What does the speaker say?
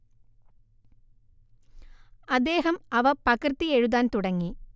അദ്ദേഹം അവ പകര്‍ത്തി എഴുതാന്‍ തുടങ്ങി